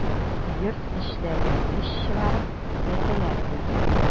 Йорт эчләренә мич чыгарып, сәкеләр куйдык.